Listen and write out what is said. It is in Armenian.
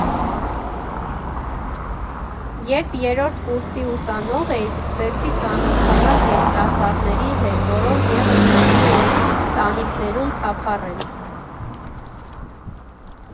Երբ երրորդ կուրսի ուսանող էի, սկսեցի ծանոթանալ երիտասարդների հետ, որոնք ևս սիրում էին տանիքներում թափառել։